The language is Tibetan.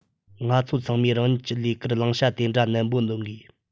ང ཚོ ཚང མས རང ཉིད ཀྱི ལས ཀར བླང བྱ དེ འདྲ ནན པོ འདོན དགོས